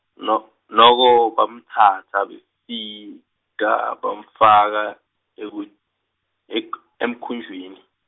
nok-, noko bamtsatsa beika- ka bamfaka eku ek-, emkhunjini.